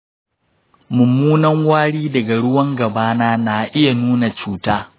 mummunan wari daga ruwan gaba na iya nuna cuta